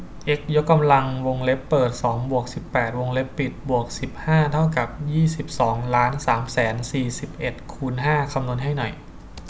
เอ็กซ์ยกกำลังวงเล็บเปิดสองบวกสิบแปดวงเล็บปิดบวกสิบห้าเท่ากับยี่สิบสองล้านสามแสนสี่สิบเอ็ดคูณห้าคำนวณให้หน่อย